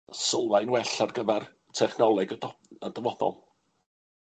sylfaen well ar gyfer technoleg y do- y dyfodol.